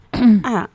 Un